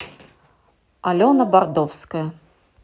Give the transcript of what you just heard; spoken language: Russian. алена бардовская